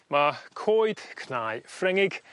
Ma' coed cnau Ffrengig